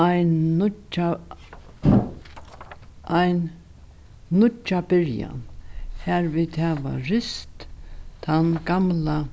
ein nýggja ein nýggja byrjan har vit hava rist tann gamla